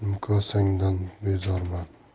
ber nimkosangdan bezorman